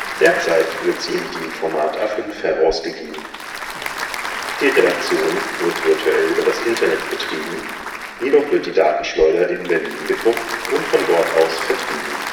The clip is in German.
Derzeit wird sie im DIN-Format A5 herausgegeben. Die Redaktion wird virtuell über das Internet betrieben, jedoch wird die Datenschleuder in Berlin gedruckt und von dort aus vertrieben